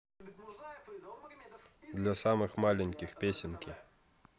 для самых маленьких песенки